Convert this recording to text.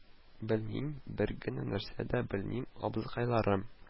Белмим, бер генә нәрсә дә белмим, абзыкайларым